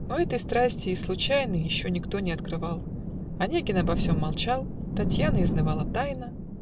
Но этой страсти и случайно Еще никто не открывал. Онегин обо всем молчал Татьяна изнывала тайно